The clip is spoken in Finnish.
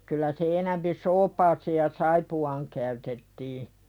kyllä se enempi soopaan ja saippuaan käytettiin